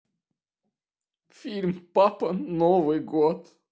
фильм папа новый год